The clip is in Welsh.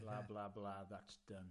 Bla bla bla, that's done.